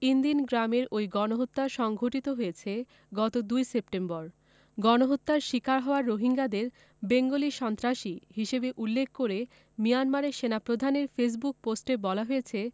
Inn Din গ্রামের ওই গণহত্যা সংঘটিত হয়েছে গত ২ সেপ্টেম্বর গণহত্যার শিকার হওয়া রোহিঙ্গাদের বেঙ্গলি সন্ত্রাসী হিসেবে উল্লেখ করে মিয়ানমারের সেনাপ্রধানের ফেসবুক পোস্টে বলা হয়েছে